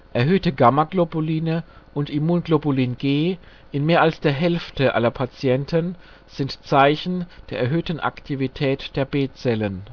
Erhöhte Gammaglobuline und Immunglobulin G in mehr als der Hälfte der Patienten sind Zeichen einer erhöhten Aktivität der B-Zellen